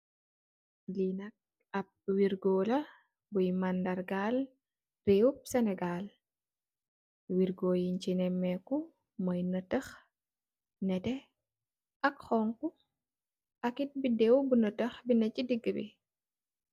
Li ap wirgo la buy mandara gal rewu Senegal. Wirgo yi ci neh moy natax, netteh ak xonxu ak wirgo bu natax bu neh ci digih bi.